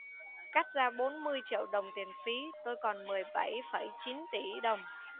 cắt ra bốn mươi triệu đồng tiền phí tôi còn mười bảy phẩy chín tỷ đồng